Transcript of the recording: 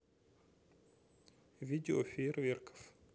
видео феерверков